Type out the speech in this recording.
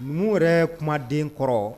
Numu yɛrɛ kumaden kɔrɔ